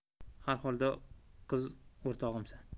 har holda qiz o'rtog'imsan